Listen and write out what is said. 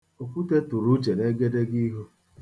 Okwute tụrụ Uche n'egedegeihu.